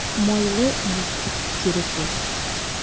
Майлы бит тиресе.